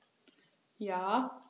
Ja.